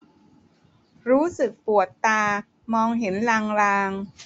รู้สึกปวดตามองเห็นลางลาง